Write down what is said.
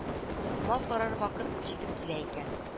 Мал карар вакыт җитеп килә икән